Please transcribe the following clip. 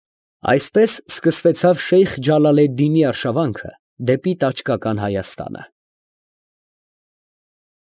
Այսպես սկսվեցավ Շեյխ Ջալալեդդինի արշավանքը դեպի տաճկական Հայաստանը։